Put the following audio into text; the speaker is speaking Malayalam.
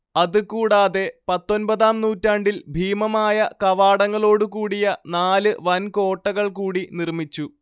അത് കൂടാതെ പത്തൊൻപതാം നൂറ്റാണ്ടിൽ ഭീമമായ കവാടങ്ങളോട് കൂടിയ നാല് വൻ കോട്ടകൾ കൂടി നിർമിച്ചു